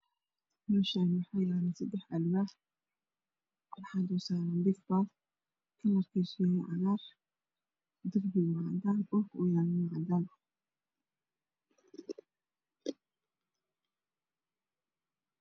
Meshani waxaa yala sedax alwaax waxaa dul saran bifbaaf kalarkiisu yahay cagaar derbiguna cadan dhulka uu yalana cadaan